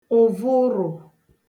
ụ̀vụrụ̀